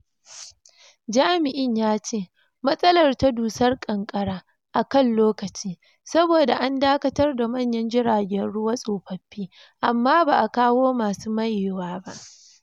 Jami'in ya ce matsalar ta dusar ƙanƙara a kan lokaci, saboda an dakatar da manyan jiragen ruwa tsofaffi amma ba a kawo masu mayewa ba.